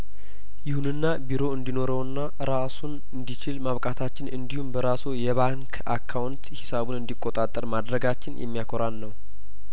ይሁንና ቢሮ እንዲኖረውና ራሱን እንዲችል ማብቃታችን እንዲሁም በራሱ የባንክ አካውንት ሂሳቡን እንዲቆጣጠር ማድረጋችን የሚያኮራን ነው